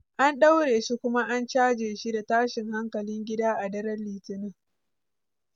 An ɗaure shi kuma an caje shi da tashin hankalin gida a daren Litinin